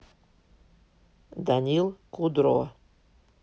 данил кудро